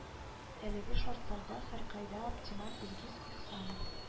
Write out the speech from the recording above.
Әлеге шартларда һәркайда оптималь илгиз ихсанов